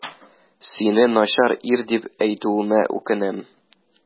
Сине начар ир дип әйтүемә үкенәм.